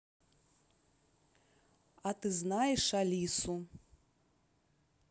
а ты знаешь алису